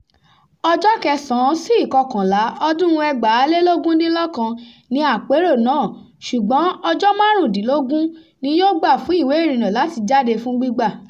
Ọjọ́ 9 sí 11 ọdún-un 2019 ni àpérò náà ṣùgbọ́n ọjọ́ márùnúndínlógún ni yó gbà fún ìwé ìrìnnà láti jáde fún gbígbà.